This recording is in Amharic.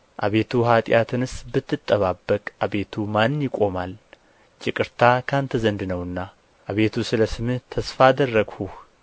አቤቱ ኃጢአትንስ ብትጠባበቅ አቤቱ ማን ይቆማል ይቅርታ ከአንተ ዘንድ ነውና አቤቱ ስለ ስምህ ተስፋ አደረግሁህ